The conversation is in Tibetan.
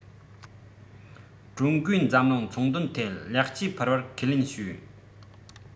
ཀྲུང གོས འཛམ གླིང ཚོང དོན ཐད ལེགས སྐྱེས ཕུལ བར ཁས ལེན བྱོས